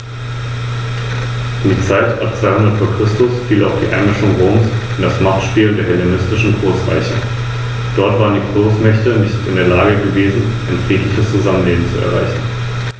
Während sie einen Fixbetrag an den Staat abführten, konnten sie Mehreinnahmen behalten.